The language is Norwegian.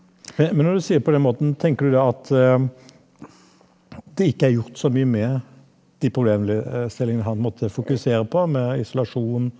men men når du sier på den måten, tenker du da at det ikke er gjort så mye med de problemstillingene han måtte fokusere på med isolasjon?